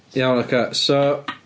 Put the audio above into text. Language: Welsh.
Iawn, ocê so...